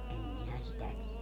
en minä sitä tiedä